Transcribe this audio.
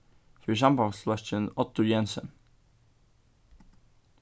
fyri sambandsflokkin oddur jensen